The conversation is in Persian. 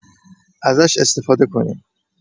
ازش استفاده کنیم.